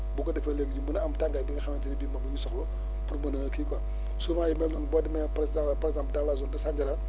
bu ko defee léegi ñu mën a am tàngaay bi nga xamante ne bii moom la ñu soxla pour mën a kii quoi souvent yu mel noonu boo demee par exemple par exemple dans la zone de Sandiara